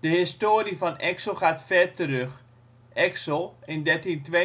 De historie van Exel gaat ver terug. Eksel, in 1392